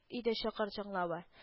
Иде чокыр җыңлавы